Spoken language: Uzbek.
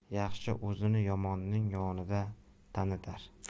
yaxshi o'zini yomonning yonida tanitar